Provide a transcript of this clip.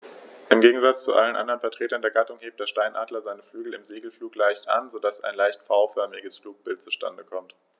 Im Gegensatz zu allen anderen Vertretern der Gattung hebt der Steinadler seine Flügel im Segelflug leicht an, so dass ein leicht V-förmiges Flugbild zustande kommt.